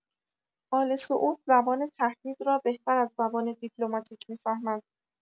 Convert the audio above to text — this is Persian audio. آل‌سعود زبان تهدید را بهتر از زبان دیپلماتیک می‌فهمد.